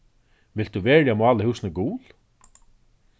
vilt tú veruliga mála húsini gul